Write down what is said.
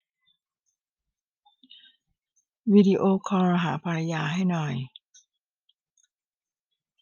วิดีโอคอลหาภรรยาให้หน่อย